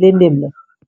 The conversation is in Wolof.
léendém la